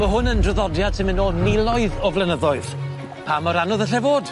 Ma' hwn yn draddodiad sy'n myn' nôl miloedd o flynyddoedd. Pa mor anodd all e fod?